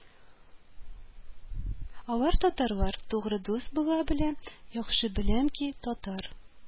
Алар, татарлар, тугры дус була белә: яхшы беләм ки, татар